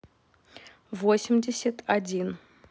восемьдесят один